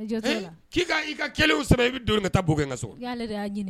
N jo t'a la. Hɛn ko i ka i ka kɛlenw sɛbɛn i bɛ don ka taa bɔ kɛ n ka so. N'i y'a lajɛ Agibu